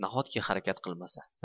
nahotki harakat qilmasa